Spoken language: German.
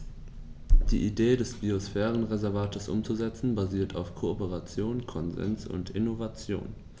Die Idee des Biosphärenreservates umzusetzen, basiert auf Kooperation, Konsens und Innovation.